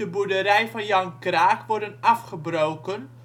boerderij van Jan Kraak worden afgebroken